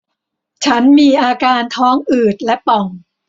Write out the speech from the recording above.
ฉันมีอาการท้องอืดและป่อง